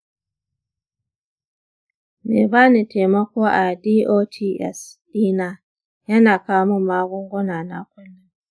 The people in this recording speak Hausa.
mai bani taimako a dots ɗina yana kawo min magunguna na kullun.